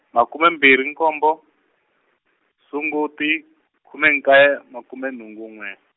makume mbirhi nkombo, Sunguti, khume nkaye makume nhungu n'we.